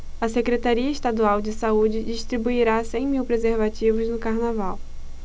a secretaria estadual de saúde distribuirá cem mil preservativos no carnaval